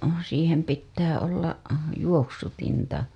siihen pitää olla juoksutinta